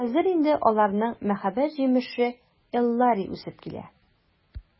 Хәзер инде аларның мәхәббәт җимеше Эллари үсеп килә.